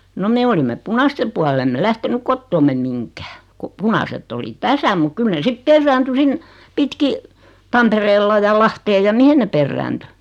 no me olimme punaisten puoli emme lähtenyt kotoamme mihinkään kun punaiset oli tässä mutta kyllä ne sitten perääntyi sinne pitkin Tampereella ja Lahteen ja mihin ne perääntyi